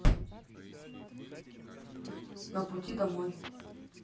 на пути домой